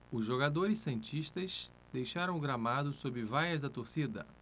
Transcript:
os jogadores santistas deixaram o gramado sob vaias da torcida